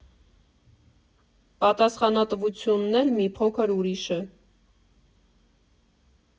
Պատասխանատվությունն էլ մի փոքր ուրիշ է.